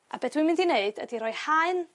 a be' dwi'n mynd i neud ydi rhoi haen